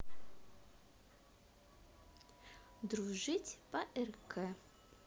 дружить по rc